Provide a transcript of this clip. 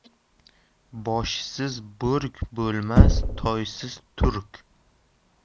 boshsiz bo'rk bo'lmas toysiz turk